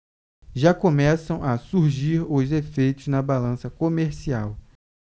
já começam a surgir os efeitos na balança comercial